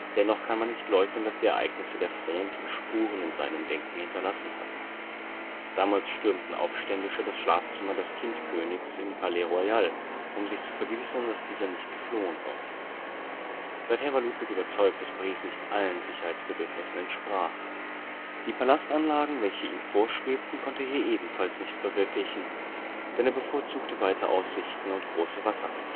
Dennoch kann man nicht leugnen, dass die Ereignisse der Fronde Spuren in seinem Denken hinterlassen hatten. Damals stürmten Aufständische das Schlafzimmer des Kindkönigs im Palais-Royal, um sich zu vergewissern, dass dieser nicht geflohen war. Seither war Ludwig überzeugt, dass Paris nicht allen Sicherheitsbedürfnissen entsprach. Die Palastanlagen, welche ihm vorschwebten, konnte er hier ebenfalls nicht verwirklichen, denn er bevorzugte weite Aussichten und große Wasserflächen